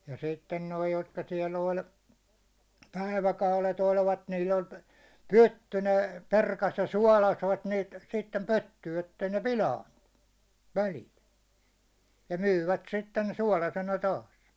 ja sitten nuo jotka siellä oli päiväkaudet olivat niillä oli pytty ne perkasi ja suolasivat niitä sitten pyttyyn että ei ne pilaantunut väliltä ja myyvät sitten suolaisena taas